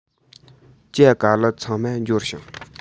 ཇ ག ལི ཚང མ འབྱོར བྱུང